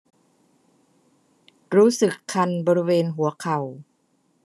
รู้สึกคันบริเวณหัวเข่า